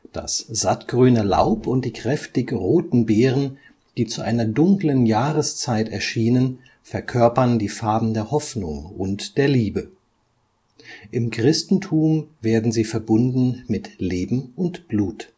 Das sattgrüne Laub und die kräftig roten Beeren, die zu einer dunklen Jahreszeit erschienen, verkörpern die Farben der Hoffnung und der Liebe. Im Christentum werden sie verbunden mit Leben und Blut